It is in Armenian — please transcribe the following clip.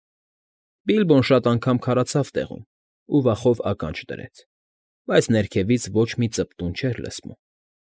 Բիլբոն շատ անգամ քարացավ տեղում ու վախով ականջ դրեց, բայց ներքևից ոչ մի ծպտուն չէր լսվում։